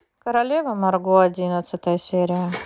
королева марго одиннадцатая серия